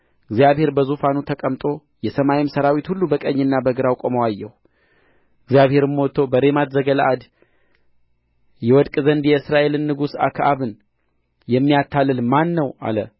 እግዚአብሔር በዙፋኑ ተቀምጦ የሰማይም ሠራዊት ሁሉ በቀኙና በግራው ቆመው አየሁ እግዚአብሔርም ወጥቶ በሬማት ዘገለዓድ ይወድቅ ዘንድ የእስራኤልን ንጉሥ አክዓብን የሚያታልል ማን ነው አለ